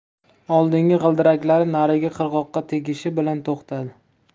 oldingi g'ildiraklari narigi qirg'oqqa tegishi bilan to'xtadi